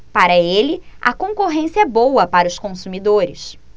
para ele a concorrência é boa para os consumidores